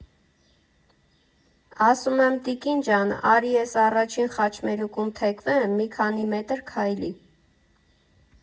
Ասում եմ՝ տիկին ջան, արի էս առաջին խաչմերուկում թեքվեմ՝ մի քանի մետր քայլի։